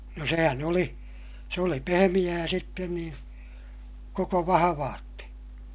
no sehän oli se oli pehmeää sitten niin koko vahvalti